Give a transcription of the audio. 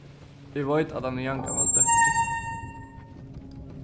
eg veit at hann er javngamal dóttur tykkara